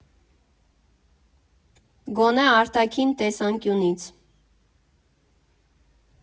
Գոնե արտաքին տեսանկյունից։